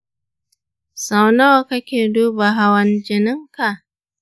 sau nawa kake duba hawan jininka?